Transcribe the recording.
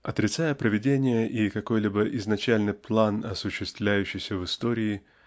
Отрицая Провидение и какой-либо изначальный план осуществляющийся в истории